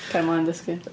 Cario mlaen dysgu.